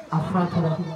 A fana kɛra